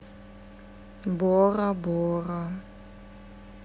бора бора